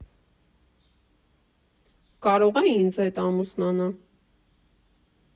Կարո՞ղ ա՝ ինձ հետ ամուսնանա։